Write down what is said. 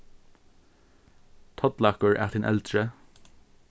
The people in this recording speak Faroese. tollakur æt hin eldri